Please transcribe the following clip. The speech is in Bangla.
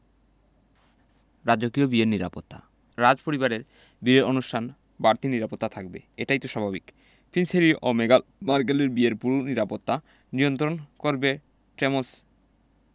রাজকীয় বিয়ের নিরাপত্তা রাজপরিবারের বিয়ের অনুষ্ঠানে বাড়তি নিরাপত্তা থাকবে এটাই তো স্বাভাবিক প্রিন্স হ্যারি ও মেগান মার্কেলের বিয়ের পুরো নিরাপত্তা নিয়ন্ত্রণ করবে টেমস